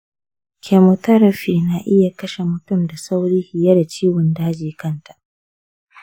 chemotherapy na iya kashe mutum da sauri fiye da ciwon daji kanta.